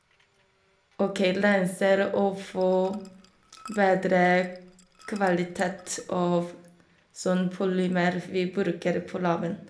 OK, renser å få bedre kvalitet av sånn polymer vi bruker på laben.